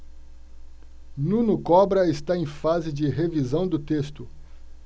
nuno cobra está em fase de revisão do texto